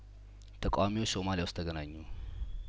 ተቃዋሚዎች ሶማሊያውስጥ ተገናኙ